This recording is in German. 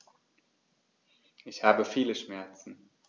Ich habe viele Schmerzen.